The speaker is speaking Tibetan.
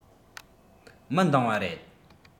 མི འདང བ རེད